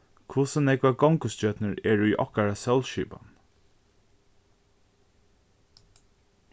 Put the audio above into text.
hvussu nógvar gongustjørnur eru í okkara sólskipan